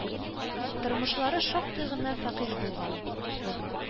Тормышлары шактый гына фәкыйрь булган;